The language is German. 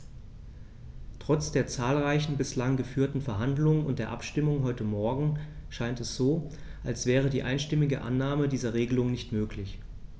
Trotz der zahlreichen bislang geführten Verhandlungen und der Abstimmung heute Morgen scheint es so, als wäre die einstimmige Annahme dieser Regelung nicht möglich.